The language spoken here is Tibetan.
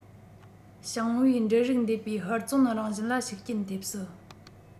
ཞིང པའི འབྲུ རིགས འདེབས པའི ཧུར བརྩོན རང བཞིན ལ ཤུགས རྐྱེན ཐེབས སྲིད